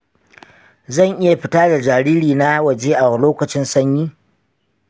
zan iya fita da jaririna waje a lokacin sanyi?